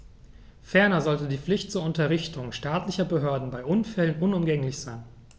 Ferner sollte die Pflicht zur Unterrichtung staatlicher Behörden bei Unfällen unumgänglich sein.